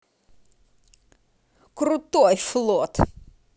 крутой флот